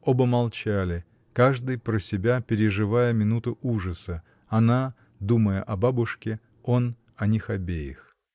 Оба молчали, каждый про себя переживая минуту ужаса, она — думая о бабушке, он — о них обеих.